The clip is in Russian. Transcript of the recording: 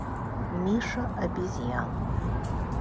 миша обезьяна